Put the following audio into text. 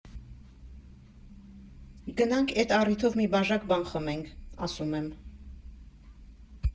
Գնանք, էդ առիթով մի բաժակ բան խմենք՝ ասում եմ։